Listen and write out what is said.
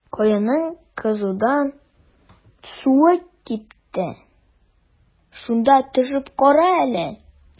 Коеның кызудан суы кипте, шунда төшеп кара әле.